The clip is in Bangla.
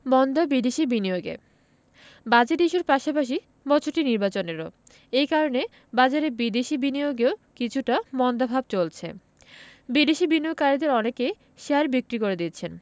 মন্দা বিদেশি বিনিয়োগে বাজেট ইস্যুর পাশাপাশি বছরটি নির্বাচনেরও এ কারণে বাজারে বিদেশি বিনিয়োগেও কিছুটা মন্দাভাব চলছে বিদেশি বিনিয়োগকারীদের অনেকে শেয়ার বিক্রি করে দিচ্ছেন